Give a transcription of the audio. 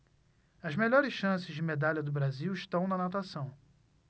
as melhores chances de medalha do brasil estão na natação